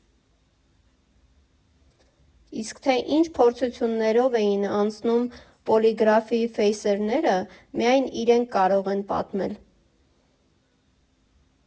Իսկ թե ինչ փորձություններով էին անցնում Պոլիգրաֆի ֆեյսերները, միայն իրենք կարող են պատմել։